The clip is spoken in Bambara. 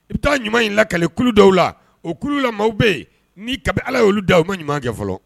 I bɛ taa ɲuman in la kalekulu dɔw la o kulu la maaw bɛ yen ni kabi ala y'lu da u ma ɲuman kɛ fɔlɔ